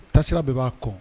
Tasira bɛɛ b'a kɔ